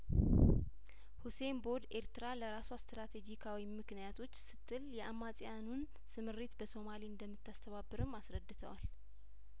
ሁሴን ቦድ ኤርትራ ለራሷ ስትራቴጂካዊ ምክንያቶች ስትል የአማጽያኑን ስምሪት በሶማሌ እንደምታስተባብርም አስረድተዋል